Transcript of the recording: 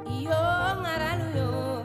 I yoo ŋaralu yoo